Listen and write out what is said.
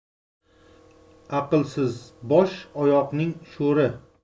aqlsiz bosh oyoqning sho'ri